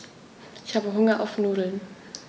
Ich habe Hunger auf Nudeln.